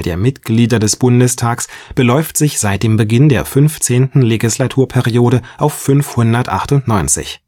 der Mitglieder des Bundestags beläuft sich seit dem Beginn der 15. Legislaturperiode auf 598.